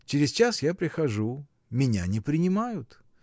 Через час я прихожу, меня не принимают.